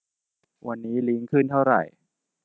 วันนี้ลิ้งขึ้นเท่าไหร่